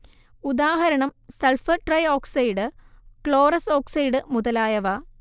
ഉദാഹരണം sulphur trioxide chlorous oxide മുതലായവ